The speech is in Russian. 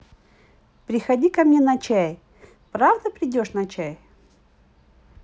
приходи ко мне на чай правда придешь на чай